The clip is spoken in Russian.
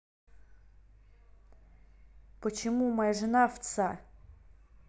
почему моя жена овца